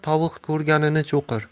tovuq ko'rganin cho'qir